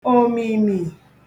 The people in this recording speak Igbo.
òmìmì